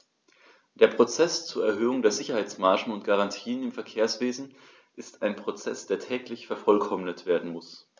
Der Prozess zur Erhöhung der Sicherheitsmargen und -garantien im Verkehrswesen ist ein Prozess, der täglich vervollkommnet werden muss.